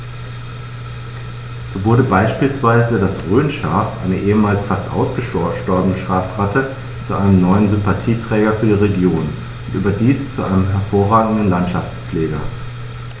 So wurde beispielsweise das Rhönschaf, eine ehemals fast ausgestorbene Schafrasse, zu einem neuen Sympathieträger für die Region – und überdies zu einem hervorragenden Landschaftspfleger.